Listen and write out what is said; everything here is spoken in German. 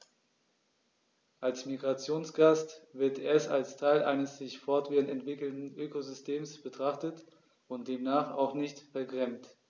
Als Migrationsgast wird er als Teil eines sich fortwährend entwickelnden Ökosystems betrachtet und demnach auch nicht vergrämt.